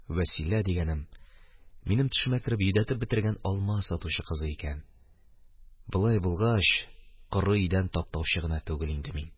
Вәсилә дигәнем минем төшемә кереп йөдәтеп бетергән алма сатучы кызы икән, болай булгач, коры идән таптаучы гына түгел инде мин.